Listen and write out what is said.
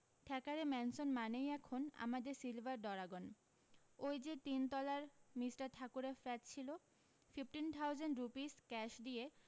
Thackeray mansion মানেই এখন আমাদের সিলভার ডরাগন ওই যে তিন তলার মিষ্টার ঠাকুরের ফ্ল্যাট ছিল ফিফটিন থাউজেন্ড রুপিস ক্যাশ দিয়ে